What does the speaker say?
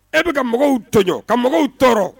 E bɛ ka mɔgɔw tɔjɔ ka mɔgɔw tɔɔrɔ